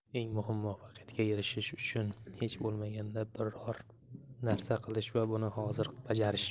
eng muhimi muvaffaqiyatga erishish uchun hech bo'lmaganda biror narsa qilish va buni hozir bajarish